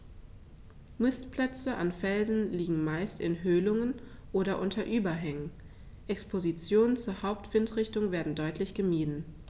Nistplätze an Felsen liegen meist in Höhlungen oder unter Überhängen, Expositionen zur Hauptwindrichtung werden deutlich gemieden.